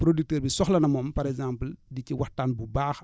producteurs bi soxla na moom par exemple di ci waxtaan bu baax